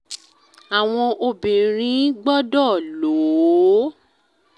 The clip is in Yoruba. Àwọn Obìnrin Gbọdọ̀ Lò Ó